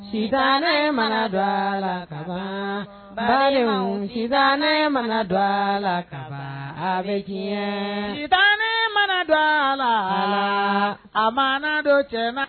Ne mana dɔ la ka ba ne mana dɔ a la katan ne mana dɔ a la a ma don jama